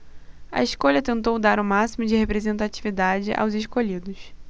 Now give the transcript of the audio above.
a escolha tentou dar o máximo de representatividade aos escolhidos